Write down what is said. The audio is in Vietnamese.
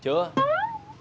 chưa